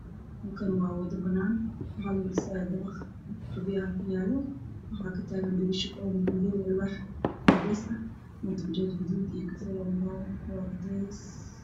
Waa wado waxaa ii muuqda guri dabaq aada u dheer oo la isku socday iyo bajaaj guduuda